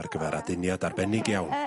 ar gyfar aduniad arbennig iawn. Yy...